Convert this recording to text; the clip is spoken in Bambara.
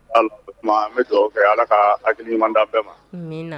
Hali n bɛ dugawu kɛ ala ka hakiliki ɲumanda bɛɛ ma